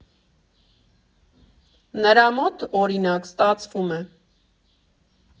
Նրա մոտ, օրինակ, ստացվում է։